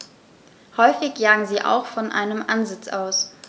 Häufig jagen sie auch von einem Ansitz aus.